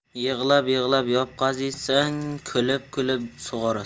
yig'lab yig'lab yop qazisang kulib kulib sug'orasan